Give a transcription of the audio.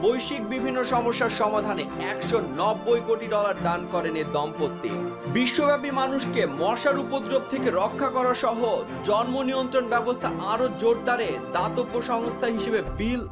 বৈশ্বিক বিভিন্ন সমস্যার সমাধানে ১৯০ কোটি ডলার দান করেন এ দম্পতি বিশ্বব্যাপী মানুষকে মশার উপদ্রব থেকে রক্ষা করা সহ জন্মনিয়ন্ত্রণ ব্যবস্থা আরো জোরদার এ দাতব্য সংস্থা হিসেবে বিল